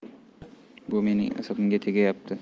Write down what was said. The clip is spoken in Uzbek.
bu mening asabimga tegayapti